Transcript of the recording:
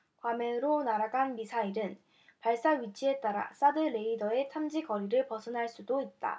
괌으로 날아간 미사일은 발사 위치에 따라 사드 레이더의 탐지거리를 벗어날 수도 있다